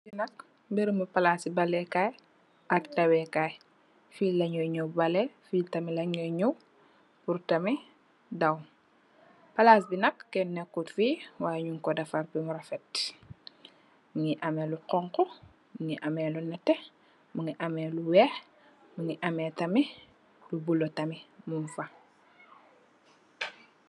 Fii nak bërëbu palaasi balé kaay and dawé kaay la, fii la ñoo ñaw balé, fila ñoo ñaw tam dawé, palaas bi nak, ken neekut fi, waay ñun ko defar bamu refet, mu ngi amee lu xoñxu, mu ngi amee lu nétté, mu ngi amee lu weex, mu ngi amee tamit, lu bulo tamit, muñg fa.